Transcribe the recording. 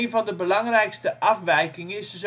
van de belangrijkste afwijkingen is